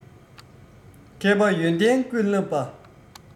མཁས པ ཡོན ཏན ཀུན བསླབས པ